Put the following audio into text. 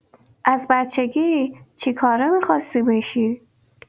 از بچگی چی کاره می‌خواستی بشی؟